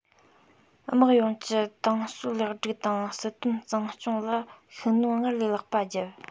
དམག ཡོངས ཀྱི ཏང སྲོལ ལེགས སྤེལ དང སྲིད དོན གཙང སྐྱོང ལ ཤུགས སྣོན སྔར ལས ལྷག པ བརྒྱབ